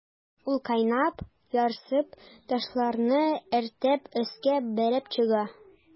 Ул кайнап, ярсып, ташларны эретеп өскә бәреп чыга.